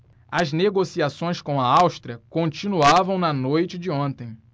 as negociações com a áustria continuavam na noite de ontem